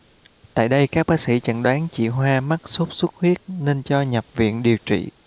tại đây các bác sĩ chẩn đoán chị hoa mắc sốt xuất huyết nên cho nhập viện điều trị